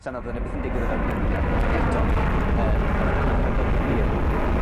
Sai'n meddwl bydd wnna byth yn digwydd o fewn gwleidyddieth eto. Yym a ma' ma'n hygol bod o'n wir.